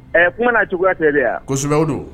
Ɛɛ kuma n'a cogoya tɛ de wa, kosɛbɛ o don